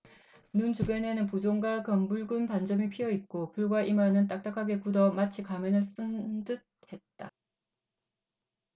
눈 주변에는 부종과 검붉은 반점이 피어 있고 볼과 이마는 딱딱하게 굳어 마치 가면을 쓴 듯했다